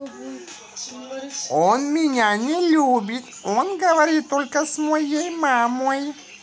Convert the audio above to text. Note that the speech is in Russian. он меня не любит он говорить только с моей мамой